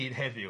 hyd heddiw.